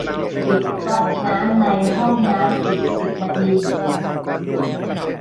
ปิดก๊อกน้ำในห้องน้ำอีกสิบนาที